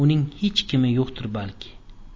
uning xech kimi yo'qdir balki